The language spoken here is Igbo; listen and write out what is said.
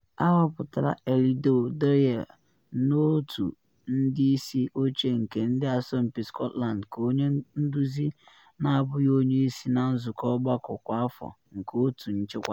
Ahọpụtala Eilidh Doyle n’otu ndị isi oche nke Ndị Asọmpi Scotland ka onye nduzi na abụghị onye isi na nzụkọ ọgbakọ kwa afọ nke otu nchịkwa.